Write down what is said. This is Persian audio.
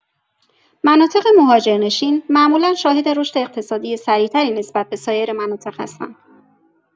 مناطق مهاجرنشین معمولا شاهد رشد اقتصادی سریع‌تری نسبت به سایر مناطق هستند.